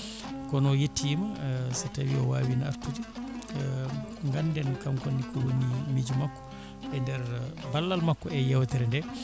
kono o yettima so tawi o wawino artude ganden kankone miijo makko e nder ballal makko e yewtere nde